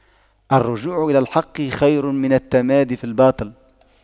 الرجوع إلى الحق خير من التمادي في الباطل